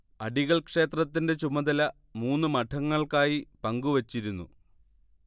അടികൾ ക്ഷേത്രത്തിൻറെ ചുമതല മൂന്ന് മഠങ്ങൾക്കായി പങ്കുവച്ചിരുന്നു